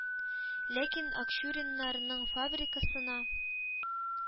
Ләкин Акчуриннарның фабрикасына